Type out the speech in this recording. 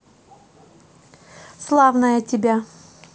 славная тебя